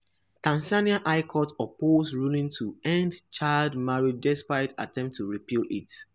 Tanzania high court upholds ruling to end child marriage despite attempts to repeal it